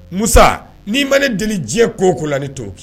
Musa, n'i ma ne deli diɲɛ ko o ko la ne t'o k